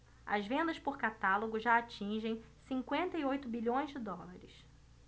as vendas por catálogo já atingem cinquenta e oito bilhões de dólares